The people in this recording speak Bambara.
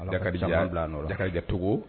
N ka ka jacogogo